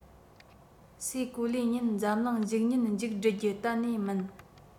སའི གོ ལའི ཉིན འཛམ གླིང འཇིག ཉིན མཇུག བསྒྲིལ རྒྱུ གཏན ནས མིན